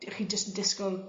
d- chi jyst yn disgwl